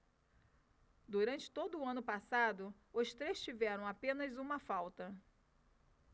durante todo o ano passado os três tiveram apenas uma falta